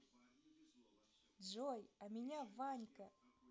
джой а меня ванька